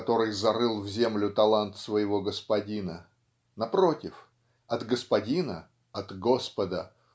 который зарыл в землю талант своего господина напротив от господина от Господа